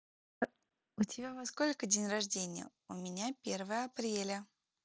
у тебя во сколько день рождения у меня первая апреля